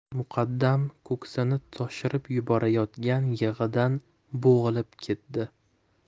muqaddam ko'ksini toshirib yuborayotgan yig'idan bo'g'ilib ketdi